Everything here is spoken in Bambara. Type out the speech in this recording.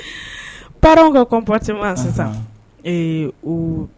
Baroraww ka kɔn patima sisan